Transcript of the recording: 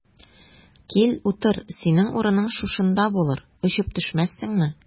Кил, утыр, синең урының шушында булыр, очып төшмәссеңме?